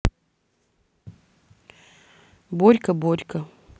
борька борька